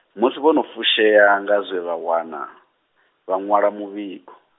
musi vho no fushea nga zwe vha wana, vha ṅwala muvhigo.